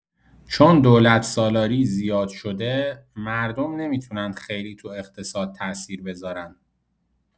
چون دولت‌سالاری زیاد شده، مردم نمی‌تونن خیلی تو اقتصاد تاثیر بذارن.